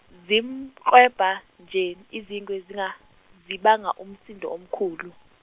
zimklwebha nje izingwe zinga- zibanga umsindo omkhulu.